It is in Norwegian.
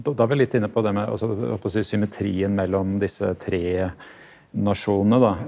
d da er vi litt inne på det med altså holdt på å si symmetrien mellom disse tre nasjonene da.